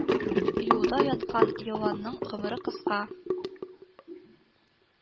Юлда яткан еланның гомере кыска